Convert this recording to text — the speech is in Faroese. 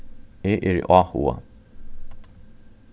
eg eri áhugað